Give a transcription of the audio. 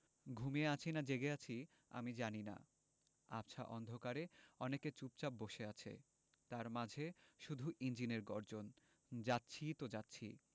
ঘুমিয়ে আছি না জেগে আছি আমি জানি না আবছা অন্ধকারে অনেকে চুপচাপ বসে আছে তার মাঝে শুধু ইঞ্জিনের গর্জন যাচ্ছি তো যাচ্ছি